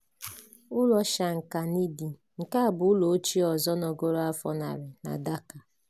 Ụlọ ShankhaNidhi Nke a bụ ụlọ ochie ọzọ nọgoro afọ narị na Dhaka.